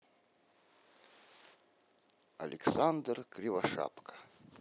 александр кривошапка